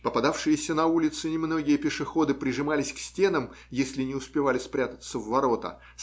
Попадавшиеся на улице немногие пешеходы прижимались к стенам, если не успевали спрятаться в ворота.